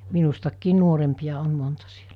minustakin nuorempia on monta silloin